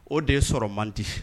O de ye sɔrɔ man di